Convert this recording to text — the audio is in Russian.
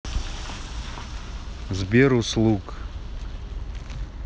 сбер услуг